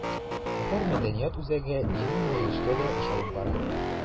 Татар мәдәният үзәге дини юнәлештә дә эш алып бара.